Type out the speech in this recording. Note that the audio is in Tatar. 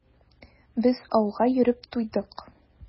Без ауга йөреп туйдык.